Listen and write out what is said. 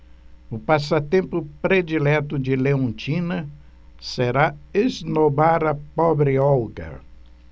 o passatempo predileto de leontina será esnobar a pobre olga